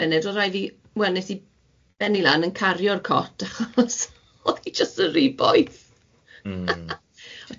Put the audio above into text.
munud o'dd raid fi, wel 'nes i benni lan yn cario'r cot achos oedd hi jys yn ry boith mm